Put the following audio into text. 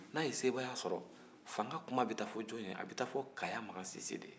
n'a ye sebagaya sɔrɔ fanga kuma bɛ taa fɔ jɔn ye a bɛ taa fɔ kaya makan sise de ye